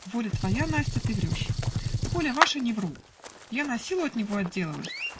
-- Воля твоя, Настя, ты врешь. -- Воля ваша, не вру. Я насилу от него отделалась.